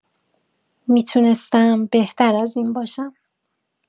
می‌تونستم بهتر از این باشم